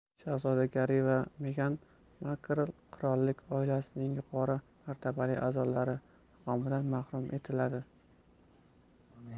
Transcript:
shahzoda garri va megan markl qirollik oilasining yuqori martabali a'zolari maqomidan mahrum etiladi